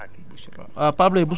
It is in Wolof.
Pape Leye bu